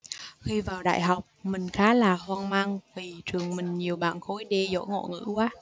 khi vào đại học mình khá là hoang mang vì trường mình nhiều bạn khối d giỏi ngoại ngữ quá